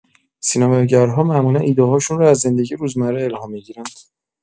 سینماگرها معمولا ایده‌هاشون رو از زندگی روزمره الهام می‌گیرند.